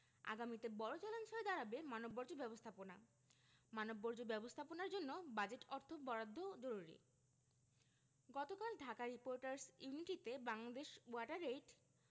আগামীতে বড় চ্যালেঞ্জ হয়ে দাঁড়াবে মানববর্জ্য ব্যবস্থাপনা মানববর্জ্য ব্যবস্থাপনার জন্য বাজেটে অর্থ বরাদ্দ জরুরি গতকাল ঢাকা রিপোর্টার্স ইউনিটিতে বাংলাদেশ ওয়াটার এইড